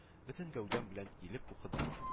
Бөтен гәүдәм белән иелеп укыдым